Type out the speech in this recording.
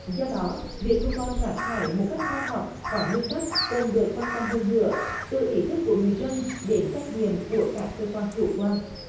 do đó việc thu gom rác thải một cách khoa học có nguyên tắc cần được quan tâm hơn nữa từ ý thức của người dân đến trách nhiệm của các cơ quan hữu quan